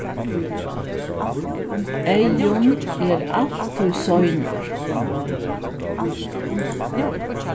eyðun er altíð seinur